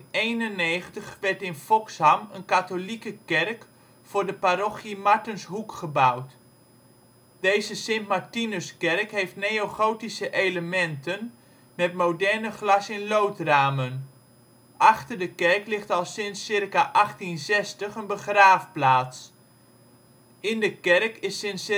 1891 werd in Foxham een Katholieke kerk voor de parochie Martenshoek gebouwd. Deze Sint Martinuskerk heeft neogotische elementen met moderne glas in lood ramen. Achter de kerk ligt al sinds ca. 1860 een begraafplaats. In de kerk is sinds